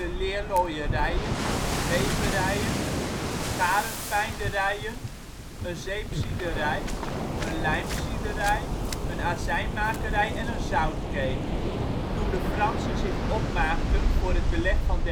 leerlooierijen, weverijen, garentwijnderijen, een zeepziederij, een lijmziederij, een azijnmakerij en een zoutkeet. Toen de Fransen in zich opmaakten voor het Beleg van